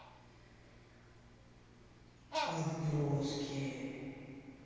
отброски